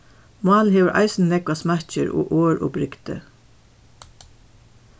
málið hevur eisini nógvar smakkir og orð og brigdi